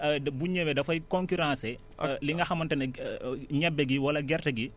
de bu ñëwee dafay concurrencé li nga xamante ne ñebe gi wala gerte gi